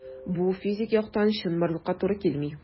Бу физик яктан чынбарлыкка туры килми.